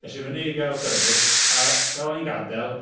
Es i fyny i gael service a fel o'n i'n gadael...